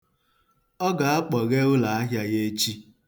Ọ ga-akpọghe ụlọ ahịa ya echi.